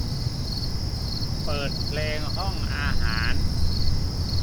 เปิดเพลงห้องอาหาร